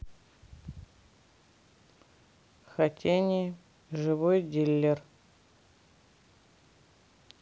хотение живой дилер